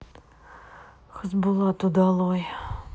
хасбулат удалой